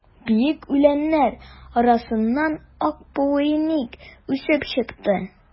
Биек үләннәр арасыннан ак повейник үсеп чыкты.